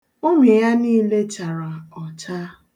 Ụmụ ya niile chara ọcha.